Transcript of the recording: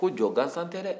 ko jɔ gansan tɛ dɛ